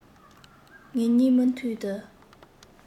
ངེད གཉིས མུ མཐུད དུ